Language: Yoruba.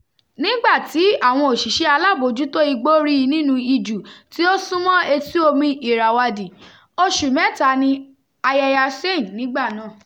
Nígbà tí àwọn òṣìṣẹ́ alábòójútó igbó rí i nínú ijù tí ó sún mọ́ Etí-omi Irrawaddy, oṣù mẹ́ta ni Ayeyar Sein nígbà náà.